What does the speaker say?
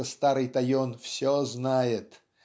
что старый Тойон все знает